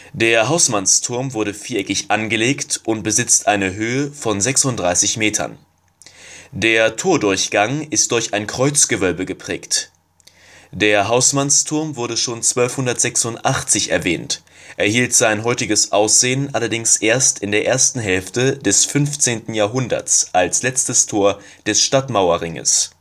Der Hausmannsturm wurde viereckig angelegt und besitzt eine Höhe von 36 Metern. Der Tordurchgang ist durch ein Kreuzgewölbe geprägt. Der Hausmannsturm wurde schon 1286 erwähnt, erhielt sein heutiges Aussehen allerdings erst in der ersten Hälfte des 15. Jahrhunderts als letztes Tor des Stadtmauerringes